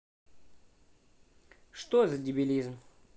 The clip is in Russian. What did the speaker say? что за дебилизм